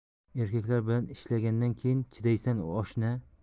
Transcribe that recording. erkaklar bilan ishlagandan keyin chidaysan oshna